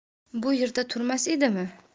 bu yerda turmas edimi